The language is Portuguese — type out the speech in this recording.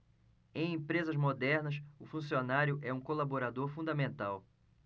em empresas modernas o funcionário é um colaborador fundamental